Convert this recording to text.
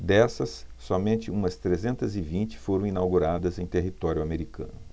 dessas somente umas trezentas e vinte foram inauguradas em território americano